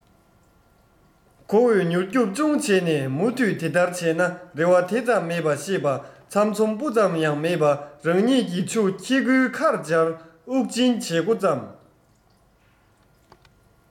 ཁོ བོས མྱུར སྐྱོབ ཅུང བྱས ནས མུ མཐུད དེ ལྟར བྱས ན རེ བ དེ ཙམ མེད པ ཤེས པ ཚམ ཚོམ སྤུ ཙམ ཡང མེད པ རང ཉིད ཀྱི མཆུ ཁྱི གུའི ཁར སྦྱར དབུགས སྦྱིན བྱེད སྒོ བརྩམས